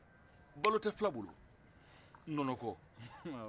balo tɛ fula bolo nɔnɔ kɔ